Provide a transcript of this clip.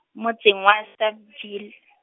motseng wa Sharpeville.